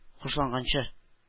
Хушланганчы